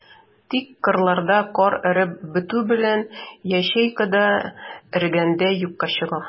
Тик кырларда кар эреп бетү белән, ячейка да эрегәндәй юкка чыга.